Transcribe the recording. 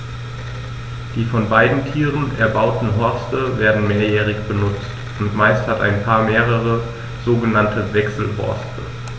Die von beiden Tieren erbauten Horste werden mehrjährig benutzt, und meist hat ein Paar mehrere sogenannte Wechselhorste.